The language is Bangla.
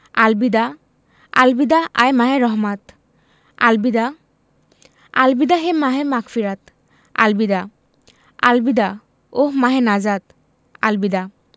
আল বিদা আল বিদা আয় মাহে রহমাত আল বিদা আল বিদা হে মাহে মাগফিরাত আল বিদা আল বিদা ওহঃ মাহে নাজাত আল বিদা